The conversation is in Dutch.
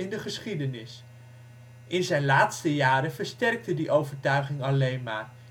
de geschiedenis. In zijn laatste jaren versterkte zich die overtuiging alleen maar